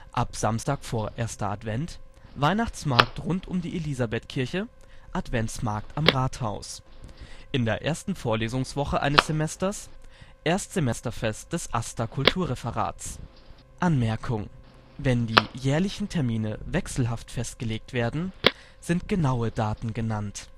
ab Samstag vor 1. Advent: Weihnachtsmarkt rund um die Elisabethkirche, Adventsmarkt am Rathaus in der ersten Vorlesungswoche eines Semesters: Erstsemesterfest des AStA-Kulturreferats Anmerkung: wenn die jährlichen (!) Termine wechselhaft festgelegt werden, sind genaue Daten genannt